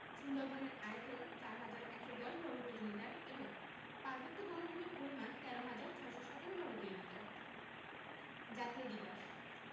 সুন্দরবনের আয়তন ৪হাজার ১১০ বর্গ কিলোমিটার এবং পার্বত্য বনভূমির পরিমাণ ১৩হাজার ৬১৭ বর্গ কিলোমিটার জাতীয় দিবস